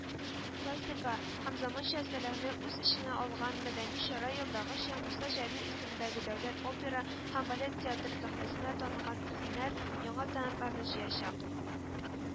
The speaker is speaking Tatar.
Классика һәм заманча әсәрләрне үз эченә алган мәдәни чара елдагыча Муса Җәлил исемендәге Дәүләт опера һәм балет театры сәхнәсенә танылган исемнәр, яңа талантларны җыячак